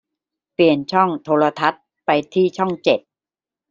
เปลี่ยนช่องโทรทัศน์ไปที่ช่องเจ็ด